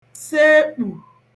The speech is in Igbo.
sekpù